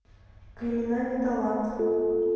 криминальный талант